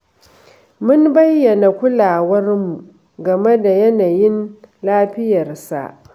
Mun bayyana kulawarmu game da yanayin lafiyarsa.